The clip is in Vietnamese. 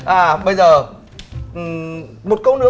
à bây giờ ừ một câu nữa